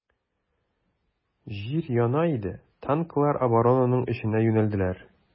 Җир яна иде, танклар оборонаның эченә юнәлделәр.